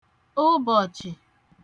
ụbọ̀chị̀